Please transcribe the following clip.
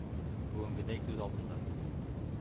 Бүгенгедәй күз алдымда...